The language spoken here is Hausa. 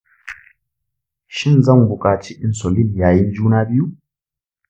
shin zan buƙaci insulin yayin juna biyu?